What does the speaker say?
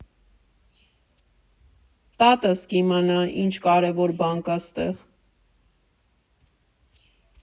Տատս կիմանա՝ ինչ կարևոր բան կա ստեղ։